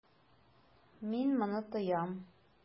Мин моны тоям.